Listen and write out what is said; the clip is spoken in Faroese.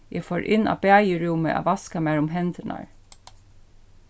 eg fór inn á baðirúmið at vaska mær um hendurnar